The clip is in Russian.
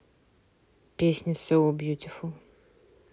песня соу бьютифул